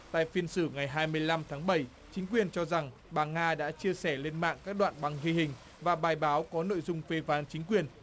tại phiên xử ngày hai mươi lăm tháng bảy chính quyền cho rằng bà nga đã chia sẻ lên mạng các đoạn băng ghi hình và bài báo có nội dung phê phán chính quyền